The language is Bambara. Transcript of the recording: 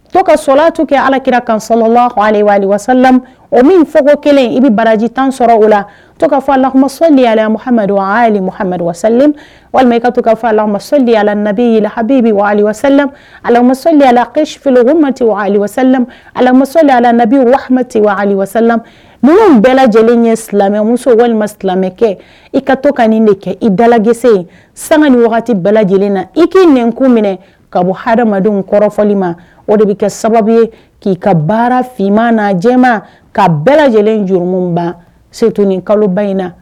To ka sɔrɔla tun kɛ alakira kasa o min fɔko kelen i bɛ baraji tan sɔrɔ o la toka fɔ a lali muhasa walima to fɔ ali alayi ha alali alala o walima ma tɛsa alala alabisa ninnu bɛɛ lajɛlen ye silamɛ muso walima silamɛkɛ i ka to ka nin de kɛ i dalala gese san ni wagati bɛɛ lajɛlen na i k'i nin ko minɛ ka bɔ hadamadenw kɔrɔfɔfɔli ma o de bɛ kɛ sababu ye k'i ka baara fma na jɛ ka bɛɛ lajɛlen juru ban soton ni kaloba in na